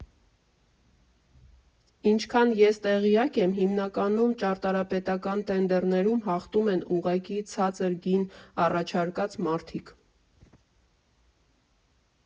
Ինչքան ես տեղյակ եմ, հիմանականում ճարտարապետական տենդերներում հաղթում են ուղղակի ցածր գին առաջարկած մարդիկ։